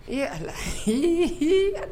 Ee ala h h